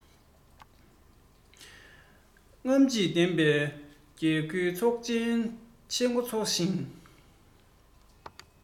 རྔམ བརྗིད ལྡན པའི རྒྱལ གླུའི ཁྲོད ཚོགས ཆེན འགོ ཚུགས ཤིང